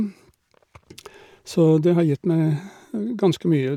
Så det har gitt meg ganske mye.